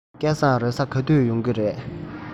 སྐལ བཟང རེས གཟའ ག པར ཡོང གི རེད